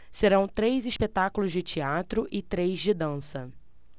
serão três espetáculos de teatro e três de dança